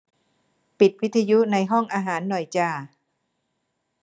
ปิดวิทยุในห้องอาหารหน่อยจ้า